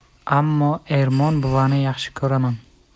ammo ermon buvani yaxshi ko'raman